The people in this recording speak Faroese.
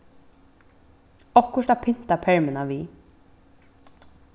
okkurt at pynta permuna við